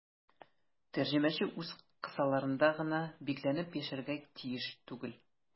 Тәрҗемәче үз кысаларында гына бикләнеп яшәргә тиеш түгел.